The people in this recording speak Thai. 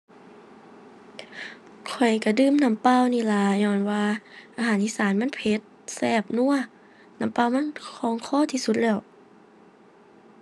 ข้อยก็ดื่มน้ำเปล่านี่ล่ะ ญ้อนว่าอาหารอีสานมันเผ็ด แซ่บ นัว น้ำเปล่ามันคล่องคอที่สุดแล้ว